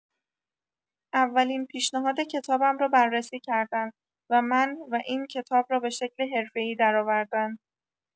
اولین پیشنهاد کتابم را بررسی کردند و من و این کتاب را به شکل حرفه‌ای درآوردند.